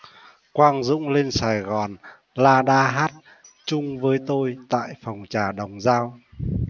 quang dũng lên sài gòn la đa hát chung với tôi tại phòng trà đồng dao